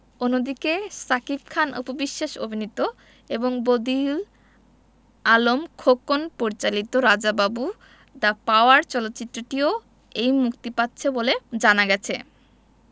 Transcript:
অন্যদিকে শাকিব খান অপু বিশ্বাস অভিনীত এবং বদিউল আলম খোকন পরিচালিত রাজা বাবু দ্যা পাওয়ার চলচ্চিত্রটিও এই মুক্তি পাচ্ছে বলে জানা গেছে